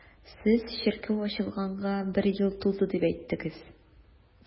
Сез чиркәү ачылганга бер ел тулды дип әйттегез.